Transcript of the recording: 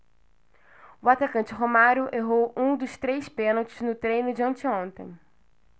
o atacante romário errou um dos três pênaltis no treino de anteontem